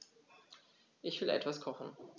Ich will etwas kochen.